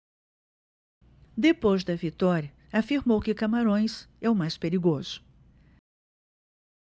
depois da vitória afirmou que camarões é o mais perigoso